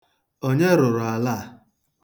Onye rụrụ ala a?